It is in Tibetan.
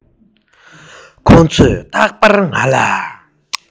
ཁོ ཚོས རྟག པར ང ལ